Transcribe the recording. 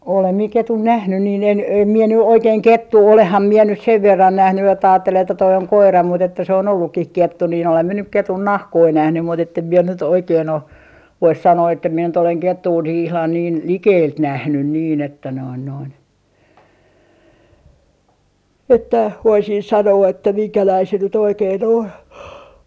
olen minä ketun nähnyt niin en en minä nyt oikein kettua olenhan minä nyt sen verran nähnyt että ajatteli että tuo on koira mutta että se on ollutkin kettu niin olen minä nyt ketun nahkoja nähnyt mutta että en minä nyt oikein ole voisi sanoa että minä nyt olen kettua niin ihan niin likeltä nähnyt niin että noin noin että voisin sanoa että minkälainen se nyt oikein on